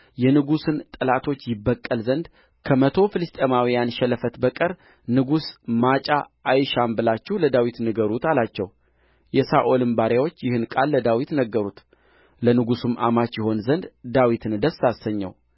የንጉሥን ጠላቶች ይበቀል ዘንድ ከመቶ ፍልስጥኤማውያን ሸለፈት በቀር ንጉሥ ማጫ አይሻም ብላችሁ ለዳዊት ንገሩት አላቸው የሳኦልም ባሪያዎች ይህን ቃል ለዳዊት ነገሩት ለንጉሥም አማች ይሆን ዘንድ ዳዊትን ደስ አሰኘው